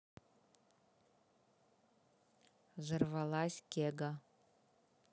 взорвалась кега